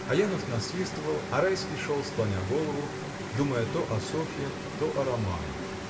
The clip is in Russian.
Аянов насвистывал, а Райский шел, склоня голову, думая то о Софье, то о романе.